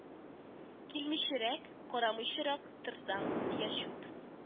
Килмичәрәк, карамыйчарак торсаң, я чүп